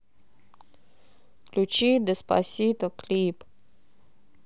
включи деспасито клип